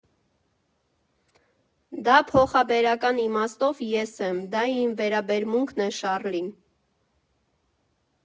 Դա փոխաբերական իմաստով ես եմ, դա իմ վերաբերմունքն է Շառլին։